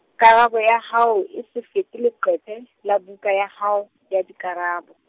karabo ya hao e se fete leqephe, la buka ya hao, ya dikarabo.